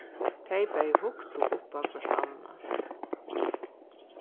tey bæði hugdu upp á hvørt annað